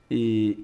Ee